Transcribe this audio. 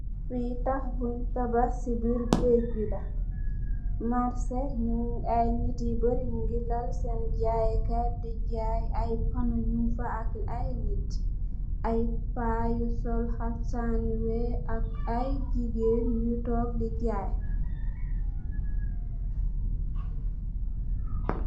Fi takh bunye tabakh si bir guage bi la marche aye nit yu bari nyungi lal sen jaaye si jaaye aye ponuh mung fa ak aye nit aye pa yu sul kaftan yu wekh ak aye jigeen yu tok di jaaye